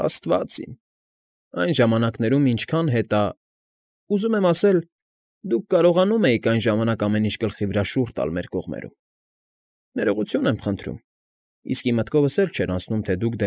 Աստված իմ, այն ժամանակներում ինչքա՜ն հետա… ուզում եմ ասել, դուք կարողանում էիք այն ժամանակ ամեն ինչ գլխի վրա շուռ տալ մեր կողմերում… Ներողություն եմ խնդրում, իսկի մտքովս չէր անցնում, թե դուք։